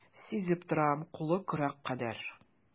Сизеп торам, кулы көрәк кадәр.